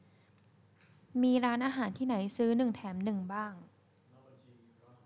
มีร้านอาหารที่ไหนซื้อหนึ่งแถมหนึ่งบ้าง